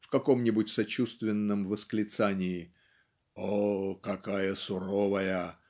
в каком-нибудь сочувственном восклицании "о какая суровая